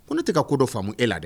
Ko ne tɛ ka ko don faamumu e la dɛɛ